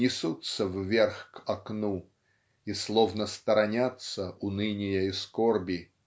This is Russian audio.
несутся вверх к окну и словно сторонятся уныния и скорби